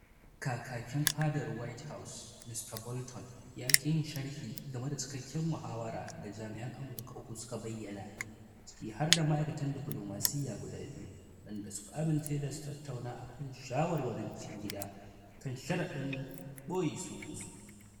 Kakakin Fadar White House Mr. Bolton ya ƙi yin sharhi game da cikakken muhawarar da jami'an Amurka uku suka bayyana, ciki harda ma'aikatan diplomasiyya guda biyu, waɗanda suka amince da su tattauna akan shawarwarin cikin gida kan sharaɗin ɓoye sunansa.